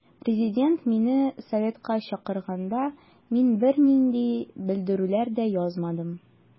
Президент мине советка чакырганда мин бернинди белдерүләр дә язмадым.